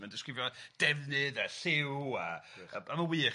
Mae'n disgrifio defnydd a lliw a a ma'n wych.